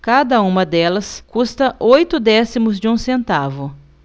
cada uma delas custa oito décimos de um centavo